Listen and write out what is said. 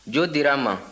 jo dira n ma